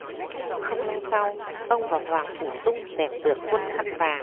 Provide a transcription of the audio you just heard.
không lâu sau ông và hoàng phủ tung dẹp được quân khăn vàng